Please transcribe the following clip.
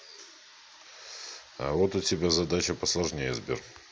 а вот у тебя задача посложнее сбер